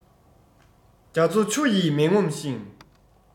རྒྱ མཚོ ཆུ ཡིས མི ངོམས ཤིང